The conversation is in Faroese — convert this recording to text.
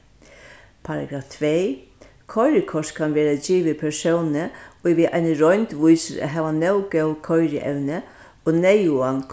paragraf tvey koyrikort kann verða givið persóni ið við eini roynd vísir at hava nóg góð koyrievni og neyðugan